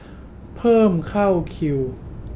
เพิ่มเข้าคิว